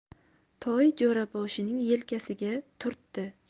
toy jo'raboshining yelkasiga turtdi